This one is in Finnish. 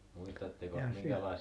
ja -